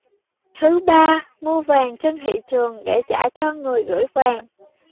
thứ ba mua vàng trên thị trường để trả cho người gửi vàng